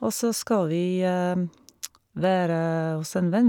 Og så skal vi være hos en venn.